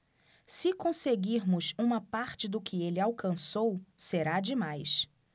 se conseguirmos uma parte do que ele alcançou será demais